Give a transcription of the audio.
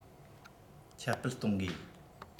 ཁྱབ སྤེལ གཏོང དགོས